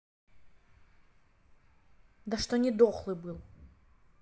да что не дохлый был